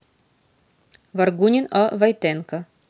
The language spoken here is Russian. варгунин о войтенко